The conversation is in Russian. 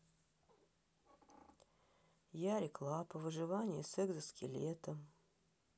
ярик лапа выживание с экзоскелетом